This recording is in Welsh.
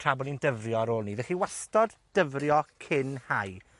tra bo' ni'n dyfrio ar ôl 'ny. 'Dych chi wastod dyfrio cyn hau.